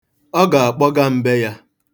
Ọ ga-akpoga m be ya.